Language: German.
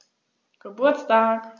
Geburtstag